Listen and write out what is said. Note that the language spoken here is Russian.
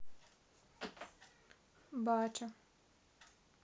butter